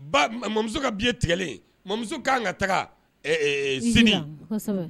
Ba mamuso ka bi tigɛlen mamuso ka kan ka taga sini